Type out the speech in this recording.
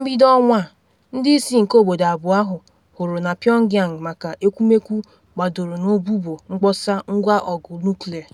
Na mbido ọnwa a, ndị isi nke obodo abụọ ahụ hụrụ na Pyongyang maka ekwumekwu gbadoro na ụbụbọ mkposa ngwa ọgụ nuklịa.